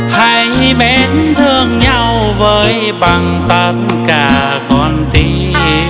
hãy mến thương nhau với bằng tất cả con tim